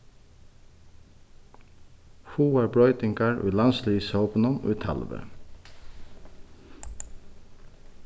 fáar broytingar í landsliðshópinum í talvi